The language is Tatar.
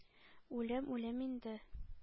“үлем“ үлем инде.